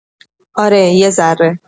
آره، یه ذره.